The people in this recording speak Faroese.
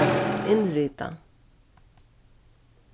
innrita